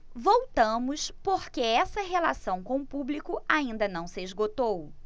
voltamos porque essa relação com o público ainda não se esgotou